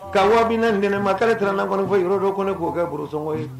Ka 40.000 di ne ma k'ale teranan gɔnifɔ i lodo ko ne k'o kɛ burusɔŋɔ ye